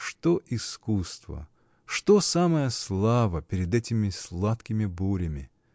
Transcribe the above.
Что искусство, что самая слава перед этими сладкими бурями!